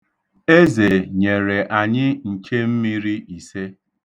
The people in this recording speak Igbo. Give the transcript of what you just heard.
Eze nyere anyị nchemmiri ise.